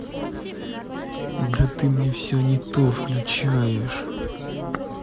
да ты мне все не то включаешь